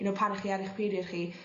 you know pan 'ych chi ar eich period chi